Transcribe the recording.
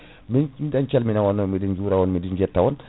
mi miɗen calmina on miɗen juura on miɗen jetta on